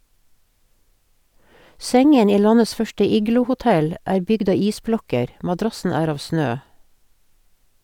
Sengen i landets første igloo-hotell er bygd av isblokker , madrassen er av snø.